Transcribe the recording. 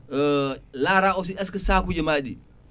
laara aussi est ce que sakuji ma ɗi